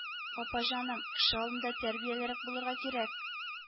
Апа җаным, кеше алдында тәрбиялерәк булырга кирәк